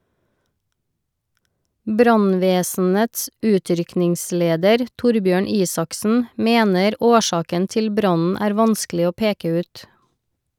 Brannvesenets utrykningsleder Torbjørn Isaksen mener årsaken til brannen er vanskelig å peke ut.